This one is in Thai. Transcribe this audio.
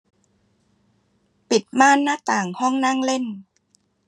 ปิดม่านหน้าต่างห้องนั่งเล่น